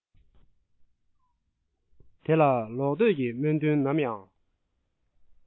དེ ལ ལོག འདོད ཀྱི སྨོན འདུན ནམ ཡང